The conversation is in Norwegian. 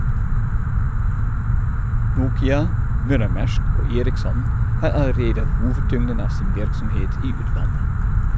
Nokia, Møller-Mærsk og Ericsson har allerede hovedtyngden av sin virksomhet i utlandet.